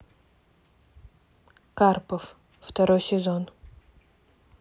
карпов второй сезон